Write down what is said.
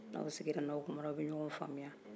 ni aw sigira ni aw kuma na aw bɛ ɲɔgɔn faamuya